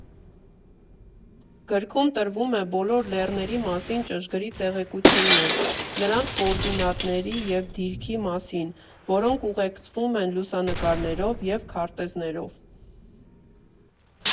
Գրքում տրվում է բոլոր լեռների մասին ճշգրիտ տեղեկություններ՝ նրանց կոորդինատների և դիրքի մասին, որոնք ուղեկցվում են լուսանկարներով և քարտեզներով։